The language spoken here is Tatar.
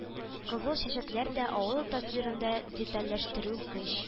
Кызыл чәчәкләр дә авыл тасвирында детальләштерү көч